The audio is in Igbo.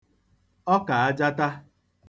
ọkàajata